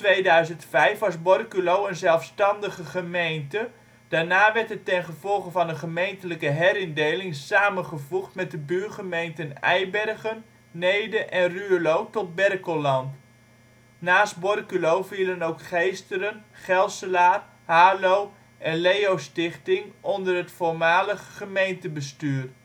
2005 was Borculo een zelfstandige gemeente, daarna werd het ten gevolge van een gemeentelijke herindeling samengevoegd met de buurgemeenten Eibergen, Neede en Ruurlo tot Berkelland. Naast Borculo vielen ook Geesteren, Gelselaar, Haarlo en Leo-Stichting onder het voormalige gemeentebestuur